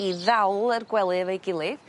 i ddal yr gwely efo'i gilydd